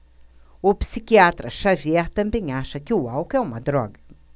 o psiquiatra dartiu xavier também acha que o álcool é uma droga